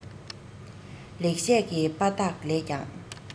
ལེགས བཤད བྱིས པ དག ལས ཀྱང